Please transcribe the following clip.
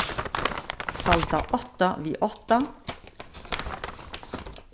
falda átta við átta